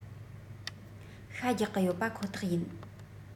ཤ རྒྱག གི ཡོད པ ཁོ ཐག ཡིན